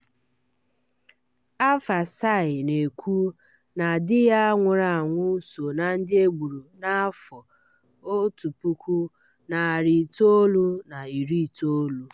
Alpha Sy na-ekwu na di ya nwụrụ anwụ so na ndị e gburu na 1990.